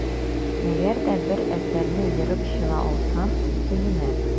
Әгәр дә бер әсәрне ерып чыга алсам, сөенәм.